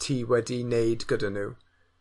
ti wedi'i neud gyda nw.